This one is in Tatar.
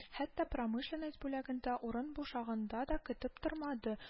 Хәтта промышленность бүлегендә урын бушаганны да көтеп тормады